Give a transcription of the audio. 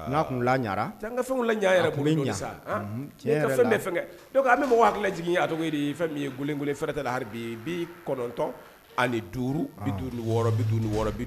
N'a tun la ka fɛn yɛrɛ fɛn kɛ an bɛ hakili jigin ye fɛn ye gkolonbi ye bi kɔnɔntɔn ani duuru bi duuru wɔɔrɔ bɛd wɔɔrɔ